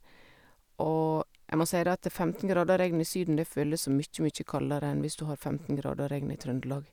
Og jeg må si det at femten grader og regn i Syden det føles som mye, mye kaldere enn hvis du har femten grader og regn i Trøndelag.